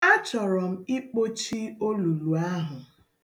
Achọrọ m ikpochi olulu ahụ.